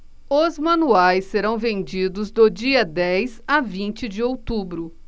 os manuais serão vendidos do dia dez a vinte de outubro